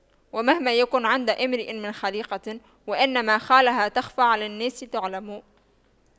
ومهما يكن عند امرئ من خَليقَةٍ وإن خالها تَخْفَى على الناس تُعْلَمِ